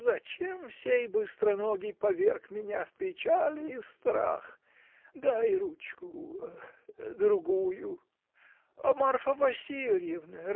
— Зачем сей быстроногий поверг меня в печаль и страх! Дай ручку, другую! Марфа Васильевна!